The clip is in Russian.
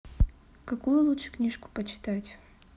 какую лучше книжку почитать